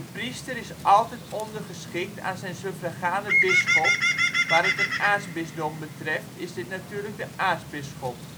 priester is altijd ondergeschikt aan zijn suffragane bisschop (waar het een aartsbisdom betreft is dit natuurlijk de aartsbisschop